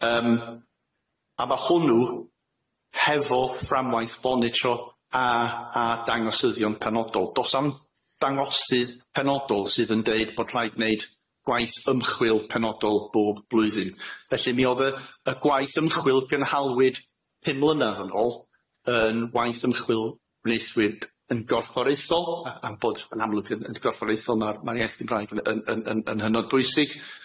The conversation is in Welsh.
Yym a ma' hwnnw hefo fframwaith fonitro a a dangosyddion penodol do's am dangosydd penodol sydd yn deud bod rhaid wneud gwaith ymchwil penodol bob blwyddyn felly mi odd y y gwaith ymchwil gynhalwyd pum mlynadd yn ôl yn waith ymchwil wneithwyd yn gorfforaethol a a bod yn amlwg yn yn gorfforaethol ma'r ma'r iaith Gymraeg yn yn yn yn hynod bwysig.